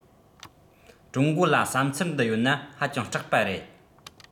ཀྲུང གོ ལ བསམ ཚུལ འདི ཡོད ན ཧ ཅང སྐྲག པ རེད